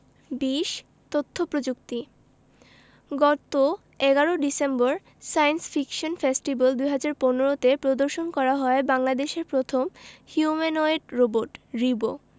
২০ তথ্য প্রযুক্তি গত ১১ ডিসেম্বর সায়েন্স ফিকশন ফেস্টিভ্যাল ২০১৫ তে প্রদর্শন করা হয় বাংলাদেশের প্রথম হিউম্যানোয়েড রোবট রিবো